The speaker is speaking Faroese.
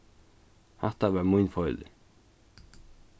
hatta var mín feilur